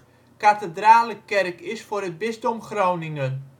kathedrale kerk is voor het bisdom Groningen